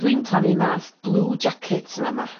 Dwi'n plannu math blue jackets yn fa' 'ma.